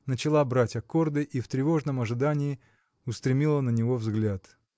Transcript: начала брать аккорды и в тревожном ожидании устремила на него взгляд.